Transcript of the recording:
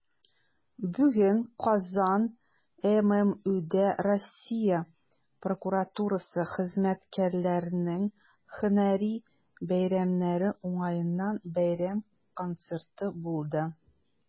Бүген "Казан" ММҮдә Россия прокуратурасы хезмәткәрләренең һөнәри бәйрәмнәре уңаеннан бәйрәм концерты булды.